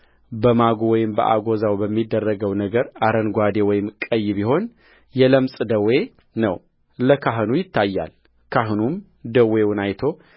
በማጉ ወይም ከአጐዛው በሚደረገው ነገር አረንጓዴ ወይም ቀይ ቢሆን የለምጽ ደዌ ነው ለካህኑ ይታያልካህኑም ደዌውን አይቶ